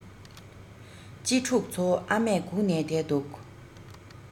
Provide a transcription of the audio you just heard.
གཅེས ཕྲུག ཚོ ཨ མས སྒུག ནས བསྡད འདུག